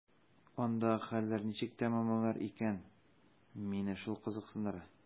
Андагы хәлләр ничек тәмамланыр икән – мине шул кызыксындыра.